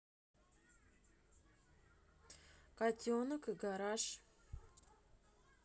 котенок и гараж